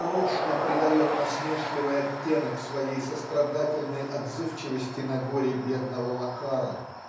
"нарочно" придает насмешливый оттенок своей сострадательной отзывчивости на горе бедного Макара